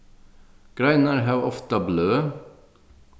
greinar hava ofta bløð